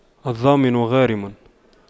الضامن غارم